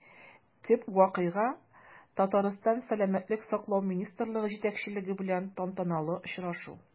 Төп вакыйга – Татарстан сәламәтлек саклау министрлыгы җитәкчелеге белән тантаналы очрашу.